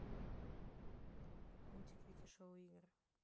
мультик вики шоу игры